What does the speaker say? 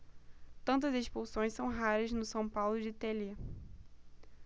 tantas expulsões são raras no são paulo de telê